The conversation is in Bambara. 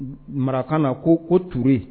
Mara na ko ko te